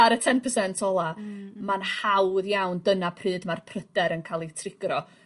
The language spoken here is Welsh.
ar y ten percent ola... Mmm mmm. ...ma'n hawdd iawn dyna pryd ma'r pryder yn ca'l 'i triggero...